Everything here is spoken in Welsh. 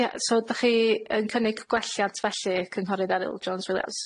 Ie so dach chi yn cynnig gwelliant felly cynghorydd Eryl Jones Williams?